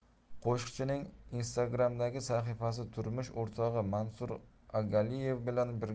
qo'shiqchining instagram'dagi sahifasida turmush o'rtog'i mansur agaliyev